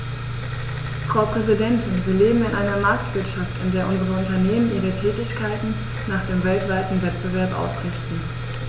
Frau Präsidentin, wir leben in einer Marktwirtschaft, in der unsere Unternehmen ihre Tätigkeiten nach dem weltweiten Wettbewerb ausrichten.